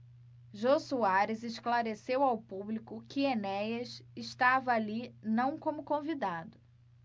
jô soares esclareceu ao público que enéas estava ali não como convidado